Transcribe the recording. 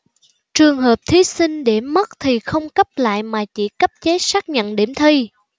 trường hợp thí sinh để mất thì không cấp lại mà chỉ cấp giấy xác nhận điểm thi